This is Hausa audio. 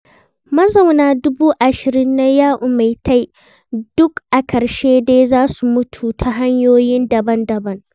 Mazauna 20,000 na Yau Ma Tei duk a ƙarshe dai za su mutu ta hanyoyi daban-daban.